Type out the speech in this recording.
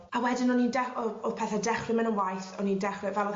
a wedyn o'n i'n de- o- o'dd pethe dechre myn' yn waeth o'n i'n dechre fel o'dd...